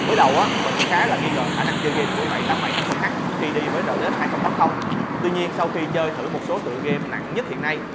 mới đầu mình khá nghi ngờ khả năng chơi game của i h khi đi với rtx tuy nhiên sau khi chơi thử một số tựa game nặng nhất hiện nay